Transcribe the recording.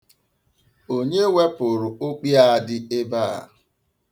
Onye wepụrụ okpi a dị ebe a?